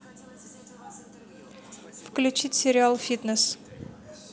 включить сериал фитнес